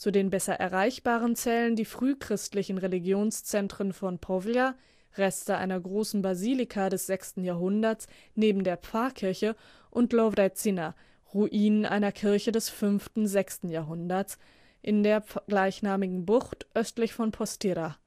den besser erreichbaren zählen die frühchristlichen Religionszentren von Povlja (Reste einer großen Basilika des 6. Jahrhunderts neben der Pfarrkirche) und Lovrecina (Ruinen einer Kirche des 5. / 6. Jahrhunderts) in der gleichnamigen Bucht östlich von Postira